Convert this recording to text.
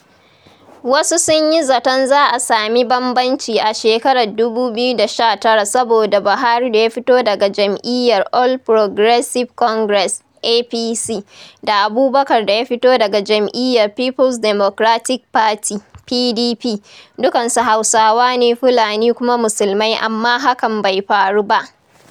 Wasu sun yi zaton za a sami bambamci a shekarar 2019 saboda Buhari da ya fito daga jam'iyyar All Progressive Congress (APC) da Abubakar da ya fito daga jam'iyyar People's Democratic Party (PDP) dukkansu Hausawa ne Fulani kuma Musulmai amma hakan bai faru ba.